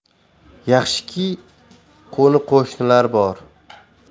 yaxshiki qo'ni qo'shnilar bor